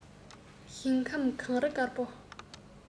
ཞིང ཁམས གངས རི དཀར པོ